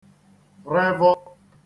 revọ